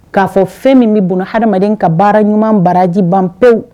K'a fɔ fɛn min bɛ bolo adamadama ka baara ɲuman baraji ban pewu